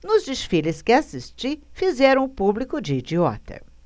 nos desfiles que assisti fizeram o público de idiota